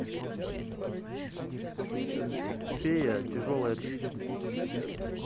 фея тяжелой отличники